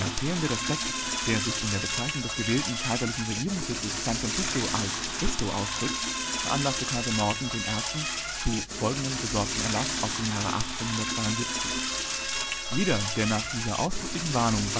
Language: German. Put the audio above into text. fehlende Respekt, der sich in der Bezeichnung des gewählten kaiserlichen Regierungssitzes San Francisco als „ Frisco “ausdrückt, veranlasste Kaiser Norton I. zu folgendem besorgten Erlass aus dem Jahr 1872: Jeder, der nach dieser ausdrücklichen Warnung